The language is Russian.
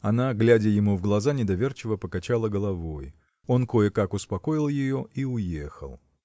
Она, глядя ему в глаза, недоверчиво покачала головой. Он кое-как успокоил ее и уехал.